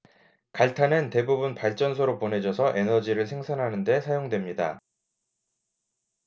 갈탄은 대부분 발전소로 보내져서 에너지를 생산하는 데 사용됩니다